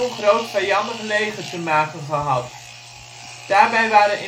groot vijandig leger te maken gehad. Daarbij waren